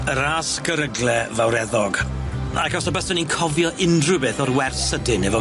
y ras gerygle fawreddog ac os y byswn i'n cofio unrhywbeth o'r werth sydyn efo...